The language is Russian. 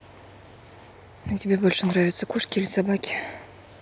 а тебе больше нравятся кошки или собаки